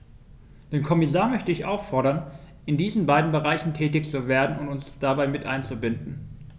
Den Kommissar möchte ich auffordern, in diesen beiden Bereichen tätig zu werden und uns dabei mit einzubinden.